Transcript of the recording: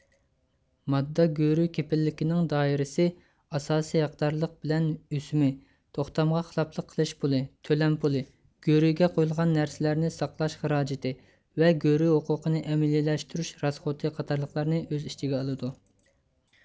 ماددا گۆرۈ كېپىللىكىنىڭ دائىرىسى ئاساسىي ھەقدارلىق بىلەن ئۆسۈمى توختامغا خىلاپلىق قىلىش پۇلى تۆلەم پۇلى گۆرۈگە قويۇلغان نەرسىلەرنى ساقلاش خىراجىتى ۋە گۆرۈ ھوقوقىنى ئەمەلىيلەشتۈرۈش راسخوتى قاتارلىقلارنى ئۆز ئىچىگە ئالىدۇ